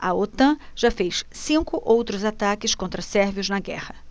a otan já fez cinco outros ataques contra sérvios na guerra